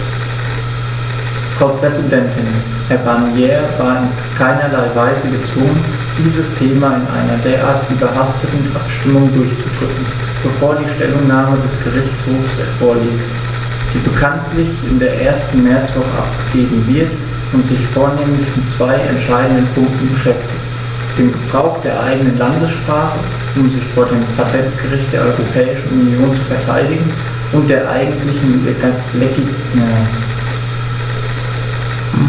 Frau Präsidentin, Herr Barnier war in keinerlei Weise gezwungen, dieses Thema in einer derart überhasteten Abstimmung durchzudrücken, bevor die Stellungnahme des Gerichtshofs vorliegt, die bekanntlich in der ersten Märzwoche abgegeben wird und sich vornehmlich mit zwei entscheidenden Punkten beschäftigt: dem Gebrauch der eigenen Landessprache, um sich vor dem Patentgericht der Europäischen Union zu verteidigen, und der eigentlichen Legitimität der Schaffung eines Patentgerichts.